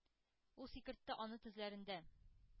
Ул сикертте аны тезләрендә,